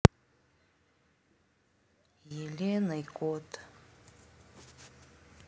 еленой код